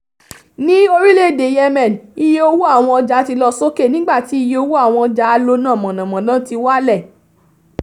Ní orílẹ̀-èdè Yemen, iye owó àwọn ọjà ti lọ sókè nígbà tí iye owó àwọn ọjà alonáamọ̀nàmọ́ná ti wálẹ̀.